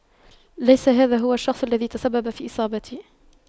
ليس هذا هو الشخص الذي تسبب في إصابتي